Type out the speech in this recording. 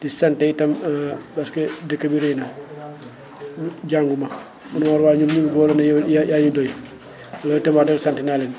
di sant itam parce que dëkk bi rëy na jànguma énu ne waaw ñun xool nañu la yaa yaa ñu doy loolu itam wax dëgg sant naa leen